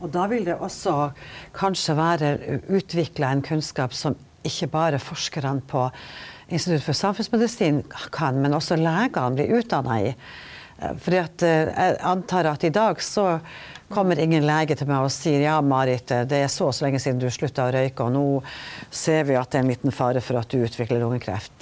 og då vil det også kanskje vere utvikla ein kunnskap som ikkje berre forskarane på Institutt for samfunnsmedisin kan, men også legane blir utdanna i fordi at eg antar at i dag så kjem ingen lege til meg og seier ja Marit, det er så og så lenge sidan du slutta å røyke og no ser vi at det er ein liten fare for at du utviklar lungekreft.